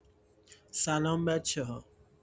سلام بچه‌ها!